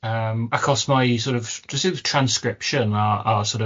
Yym achos mae sor' of, jyst yw transcription a a sor of